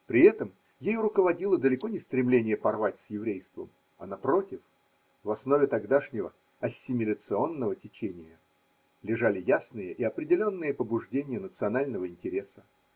При этом ею руководило далеко не стремление порвать с еврейством, а напротив – в основе тогдашнего ассимиляционного течения лежали ясные и определенные побуждения национального интереса.